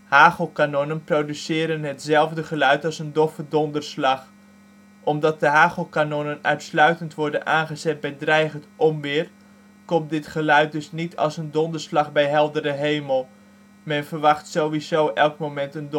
Hagelkanonnen produceren hetzelfe geluid als een (doffe) donderslag. Omdat de hagelkanonnen uitsluitend worden aangezet bij dreigend onweer komt dit geluid dus niet als een ' donderslag bij heldere hemel '. Men verwacht zowiezo elk moment een donderslag